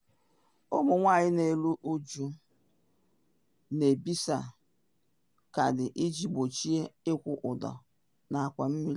Ụmụ nwanyị na eru uju na ebisa kaadị iji gbochie ịkwụ ụdọ n’akwa mmiri